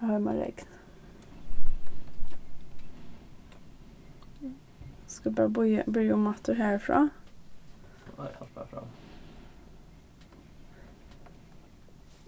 har hoyrir mann regn skulu vit bara bíða byrja umaftur harfrá